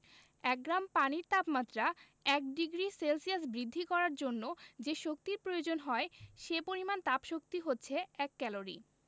এক গ্রাম পানির তাপমাত্রা ১ ডিগ্রি সেলসিয়াস বৃদ্ধি করার জন্য যে শক্তির প্রয়োজন হয় সে পরিমাণ তাপশক্তি হচ্ছে এক ক্যালরি